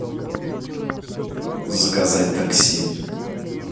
заказать такси